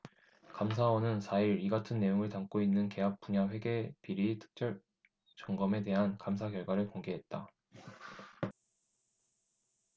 감사원은 사 일 이 같은 내용을 담고 있는 계약 분야 회계비리 특별점검에 대한 감사 결과를 공개했다